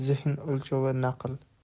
zehn o'lchovi naql